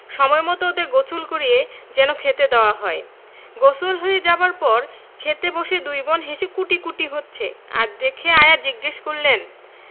সময়মত ওদের গোসল করিয়ে যেন খেতে দেওয়া হয় গোসল হয়ে যাবার পর খেতে বসে দুই বোন হেসে কুটিকুটি হচ্ছে দেখে আয়া জিজ্ঞেস করলেন